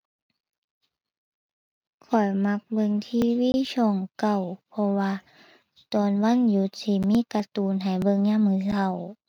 ข้อยมักเบิ่ง TV ช่องเก้าเพราะว่าตอนวันหยุดสิมีการ์ตูนให้เบิ่งยามมื้อเช้า